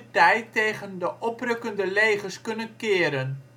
tij tegen de oprukkende legers kunnen keren